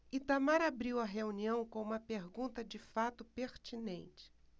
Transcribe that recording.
itamar abriu a reunião com uma pergunta de fato pertinente